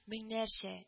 Меңнәрчә